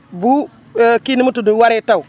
bu kii nu mu tudd waree taw